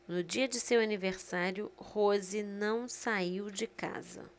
no dia de seu aniversário rose não saiu de casa